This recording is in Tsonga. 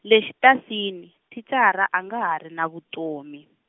le xitasini thicara a nga ha ri na vutomi.